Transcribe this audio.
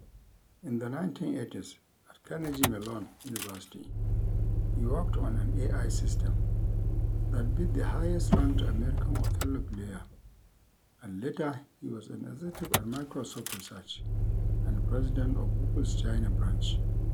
In the 1980s at Carnegie Mellon University he worked on an AI system that beat the highest-ranked American Othello player, and later he was an executive at Microsoft Research and president of Google's China branch.